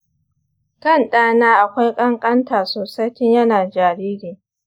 kan ɗana akwai ƙanƙanta sosai tun yana jariri.